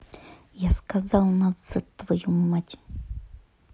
я сказал назад твою мать